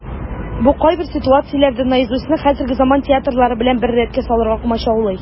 Бу кайбер ситуацияләрдә "Наизусть"ны хәзерге заман театрылары белән бер рәткә салырга комачаулый.